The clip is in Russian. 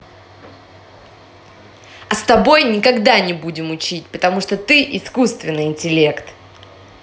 а с тобой никогда не будем учить потому что ты искусственный интеллект